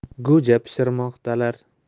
go'ja pishirmoqdalar